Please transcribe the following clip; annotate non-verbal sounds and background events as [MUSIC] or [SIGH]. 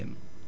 [HESITATION] [HESITATION]